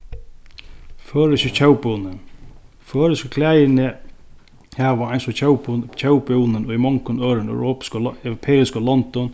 føroyski tjóðbúnin føroysku klæðini hava eins og tjóðbúnin í mongum øðrum europeiskum londum